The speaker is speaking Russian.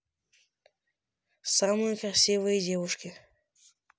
самые красивые девушки